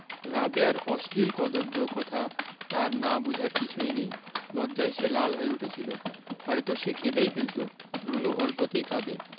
রাবেয়ার অশ্লীল কদৰ্য কথা তার না বুঝার কিছুই নেই লজ্জায় সে লাল হয়ে উঠেছিলো হয়তো সে কেঁদেই ফেলতো রুনু অল্পতেই কাঁদে